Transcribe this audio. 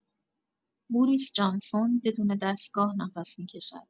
بوریس جانسون بدون دستگاه نفس می‌کشد.